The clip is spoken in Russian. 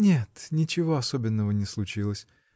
— Нет, ничего особенного не случилось!